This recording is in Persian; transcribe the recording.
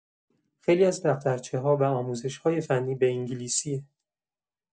خیلی از دفترچه‌ها و آموزش‌های فنی به انگلیسیه.